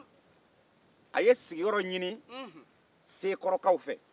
a ye sigiyɔrɔ ɲini sekɔrɔkaw fɛ